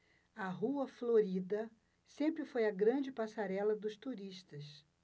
a rua florida sempre foi a grande passarela dos turistas